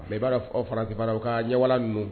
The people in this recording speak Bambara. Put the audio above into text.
Mais i b'a la f aw farafin baara u ka ɲɛwalan ninnu